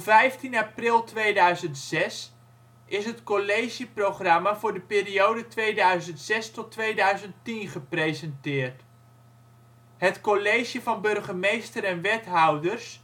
15 april 2006 is het collegeprogramma voor de periode 2006-2010 gepresenteerd. Het College van Burgemeester en Wethouders